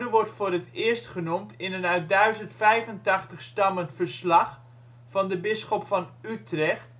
wordt voor het eerst genoemd in een uit 1085 stammend verslag van de bisschop van Utrecht